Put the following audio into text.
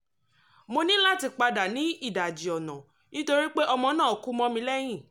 "Mo ní láti padà ní ìdajì ọ̀nà nítorí pé ọmọ náà kú mọ́ mi lẹ́yìn."